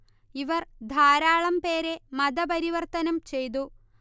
ഇവർ ധാരാളം പേരെ മത പരിവർത്തനം ചെയ്തു